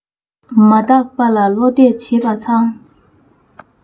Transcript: མ བརྟག པ ལ བློ གཏད བྱེད པ མཚང